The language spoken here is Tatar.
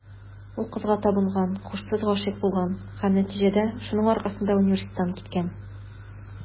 Ул кызга табынган, һушсыз гашыйк булган һәм, нәтиҗәдә, шуның аркасында университеттан киткән.